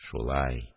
Шулай